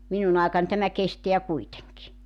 minun aikani tämä kestää kuitenkin